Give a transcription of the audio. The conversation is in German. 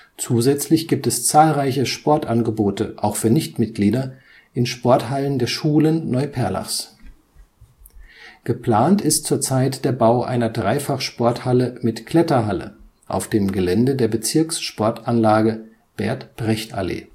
Zusätzlich gibt es zahlreiche Sportangebote – auch für Nichtmitglieder – in Sporthallen der Schulen Neuperlachs. Geplant ist zurzeit der Bau einer 3-fach-Sporthalle mit Kletterhalle auf dem Gelände der Bezirkssportanlage Bert-Brecht-Allee